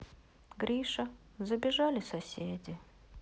гриша забежали соседи